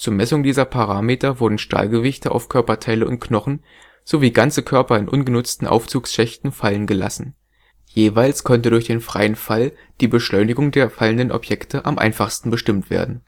Messung dieser Parameter wurden Stahlgewichte auf Körperteile und Knochen, sowie ganze Körper in ungenutzten Aufzugschächten fallen gelassen. Jeweils konnte durch den freien Fall die Beschleunigung der fallenden Objekte am einfachsten bestimmt werden